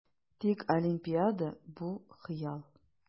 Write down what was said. Тик Олимпиада - бу хыял!